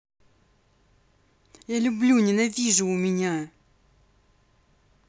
я люблю ненавижу у меня